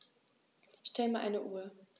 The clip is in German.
Stell mir eine Uhr.